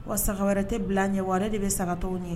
Wa saga wɛrɛ tɛ bila ɲɛ wɛrɛ de bɛ sagatɔ ye